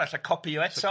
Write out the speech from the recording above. So copïo eto.